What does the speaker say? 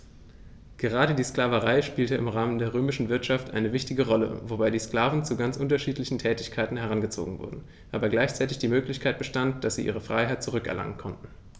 Gerade die Sklaverei spielte im Rahmen der römischen Wirtschaft eine wichtige Rolle, wobei die Sklaven zu ganz unterschiedlichen Tätigkeiten herangezogen wurden, aber gleichzeitig die Möglichkeit bestand, dass sie ihre Freiheit zurück erlangen konnten.